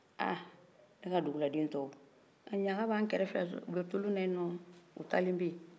hun ne ka duguladen tɔw ɲaga b'anw kɛrɛfɛ u bɛ tulonna yen nɔ u taalen bɛ yen